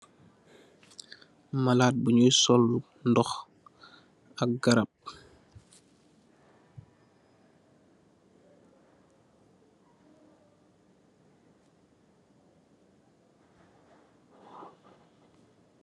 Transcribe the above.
Malaat bu ñuy sol ndox ak garab.